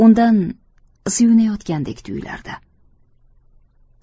undan suyunayotgandek tuyulardi